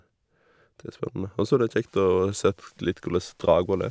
Det er spennende, og så er det kjekt å sett litt korleis Dragvoll er.